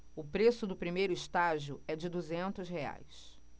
o preço do primeiro estágio é de duzentos reais